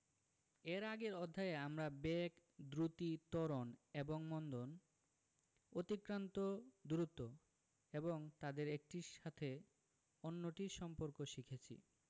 এর আগের অধ্যায়ে আমরা বেগ দ্রুতি ত্বরণ এবং মন্দন অতিক্রান্ত দূরত্ব এবং তাদের একটির সাথে অন্যটির সম্পর্ক শিখেছি